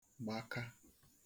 gbàka